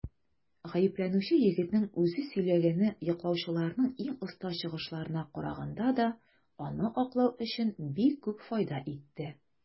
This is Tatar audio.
Гаепләнүче егетнең үзе сөйләгәне яклаучыларның иң оста чыгышларына караганда да аны аклау өчен бик күп файда итте.